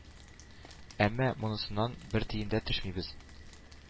Әмма монысыннан бер тиен дә төшмибез”,